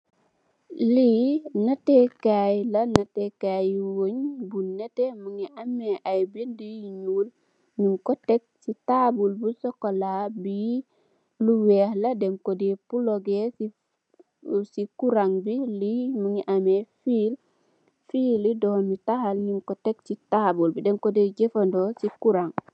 Li natte Kay la, nattee kay weñ bu netteh mugii ameh ay bindé yu ñuul ñing ko tèk ci tabull bu sokola bi lu wèèx la dañ ko dèè plug gee ci kuran bi. Li mugii ameh fill, fill li doomi tahal ñing ko tèk ci tabull bi. Dañ ko dèè jafandó ci kuran.